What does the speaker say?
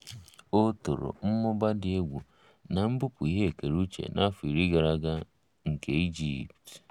O toro "mmụba dị egwu na mbupụ ihe ekere uche n'afọ iri gara aga" nke Egypt.